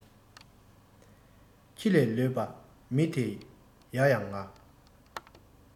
ཁྱི ལས ལོད པའི མི དེ ཡ ཡང ང